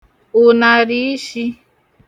ụ̀nàrị̀ ishī